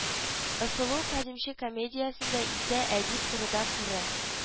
Ысулы кадимче комедиясендә исә әдип турыдан-туры